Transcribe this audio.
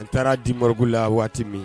N taara di moriugu la waati min